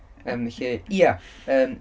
Yym felly, ia! Yym...